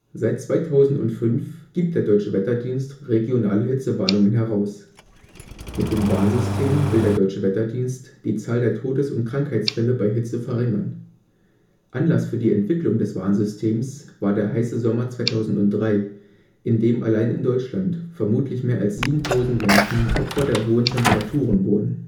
Seit 2005 gibt der Deutsche Wetterdienst regionale Hitzewarnungen heraus. Mit dem Warnsystem will der Deutsche Wetterdienst die Zahl der Todes - und Krankheitsfälle bei Hitze verringern. Anlass für die Entwicklung des Warnsystems war der heiße Sommer 2003, in dem allein in Deutschland vermutlich mehr als 7000 Menschen Opfer der hohen Temperaturen wurden